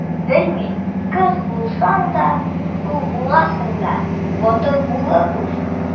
Белмим: кыз булсаң да, ул булсаң да, батыр булып үс!